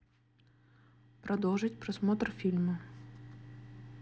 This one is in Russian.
продолжить просмотр фильма